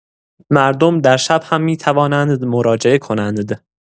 مردم در شب هم می‌توانند مراجعه کنند.